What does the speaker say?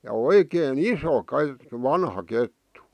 ja oikein iso - vanha kettu